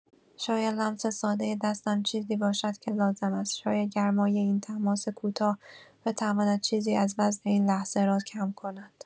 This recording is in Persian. شاید لمس سادۀ دستم چیزی باشد که لازم است، شاید گرمای این تماس کوتاه بتواند چیزی از وزن این لحظه را کم کند.